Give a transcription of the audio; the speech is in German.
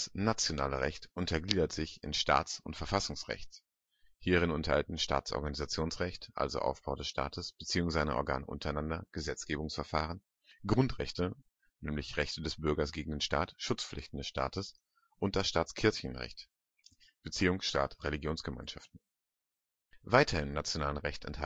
Nationales Recht Staats - und Verfassungsrecht Staatsorganisationsrecht (Aufbau des Staats, Beziehungen seiner Organe untereinander, Gesetzgebungsverfahren) Grundrechte (Rechte des Bürgers gegen den Staat, Schutzpflichten des Staates) Staatskirchenrecht (Beziehung Staat – Religionsgemeinschaften) Verwaltungsrecht